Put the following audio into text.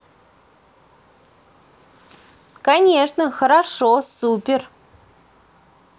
конечно хорошо супер